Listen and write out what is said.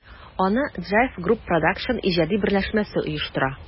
Аны JIVE Group Produсtion иҗади берләшмәсе оештыра.